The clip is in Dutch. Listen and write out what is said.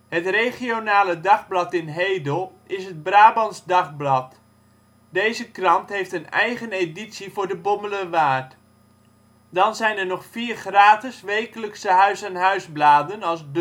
Het regionale dagblad in Hedel is het Brabants Dagblad. Deze krant heeft een eigen editie voor de Bommelerwaard. Dan zijn er nog vier gratis wekelijkse huis-aan-huis-bladen als